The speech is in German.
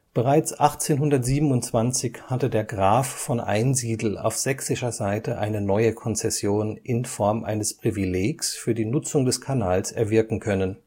Bereits 1827 hatte der Graf von Einsiedel auf sächsischer Seite eine neue Konzession in Form eines Privilegs für die Nutzung des Kanals erwirken können